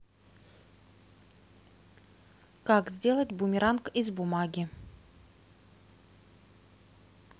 как сделать бумеранг из бумаги